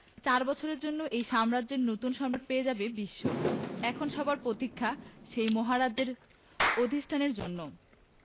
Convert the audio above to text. চার বছরের জন্য এই সাম্রাজ্যের নতুন সম্রাট পেয়ে যাবে বিশ্ব এখন সবার প্রতীক্ষা সেই মহারাজের অধিষ্ঠানের জন্য